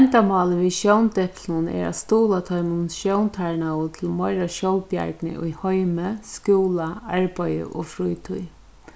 endamálið við sjóndeplinum er at stuðla teimum sjóntarnaðu til meira sjálvbjargni í heimi skúla arbeiði og frítíð